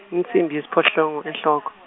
insimbi yesiphohlongo enhloko.